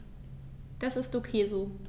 Das ist ok so.